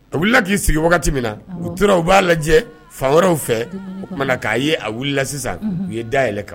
Ka wulila k'i sigi wagati min na u tora u b'a lajɛ fan wɛrɛw fɛ o na k'a ye a wulila sisan u ye day yɛlɛ kan